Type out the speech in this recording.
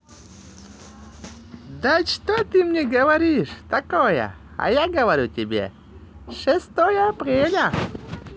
да что ты мне говоришь такое а я говорю тебе шестое апреля